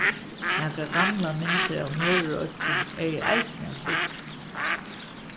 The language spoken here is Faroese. nakrar gamlar myndir av norðuroyggjum eru eisini at síggja